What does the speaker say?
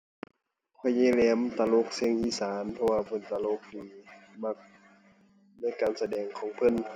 พ่อใหญ่แหลมตลกเสียงอีสานเพราะว่าเพิ่นตลกดี มักเบิ่งการแสดงของเพิ่น